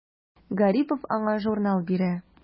Гарипов аңа журнал бирә.